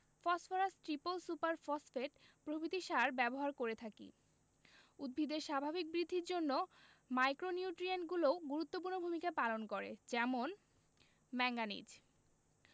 phosphorus triple super phosphate প্রভৃতি সার ব্যবহার করে থাকি উদ্ভিদের স্বাভাবিক বৃদ্ধির জন্য মাইক্রোনিউট্রিয়েন্টগুলোও গুরুত্বপূর্ণ ভূমিকা পালন করে যেমন ম্যাংগানিজ